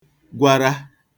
-gwara